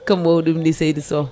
ko mawɗum ni seydi Sow